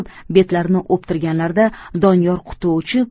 betlarini o'ptirganlarida doniyor quti o'chib